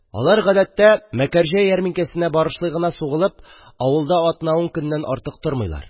Алар, гадәттә, Мәкәрҗә ярминкәсенә барышлый гына сугылып, авылда атна-ун көннән артык тормыйлар.